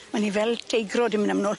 Ma' ni fel teigrod yn myn' am nôl.